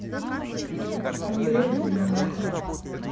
андрей данилко